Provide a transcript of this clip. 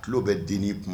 Tulo bɛ dennin kuma